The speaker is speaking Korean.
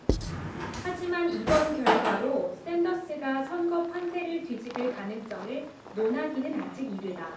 하지만 이번 결과로 샌더스가 선거 판세를 뒤집을 가능성을 논하기는 아직 이르다